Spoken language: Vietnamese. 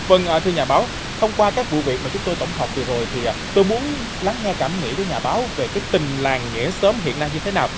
vâng thưa nhà báo thông qua các vụ việc mà chúng tôi tổng hợp vừa rồi thì tôi muốn lắng nghe cảm nghĩ của nhà báo về cái tình làng nghĩa xóm hiện nay như thế nào